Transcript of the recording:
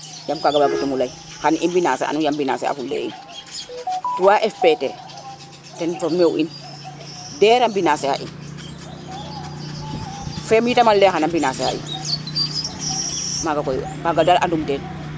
yam kaga waga tumo ley xan i mbinase yam mbinase a fule in 3Fpt ten former u in DER a mbinase a in FEM itam ale xana mbinase a in kaga dal andum ten